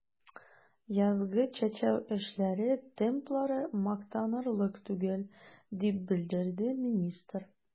Язгы чәчү эшләре темплары мактанырлык түгел, дип белдерде министр.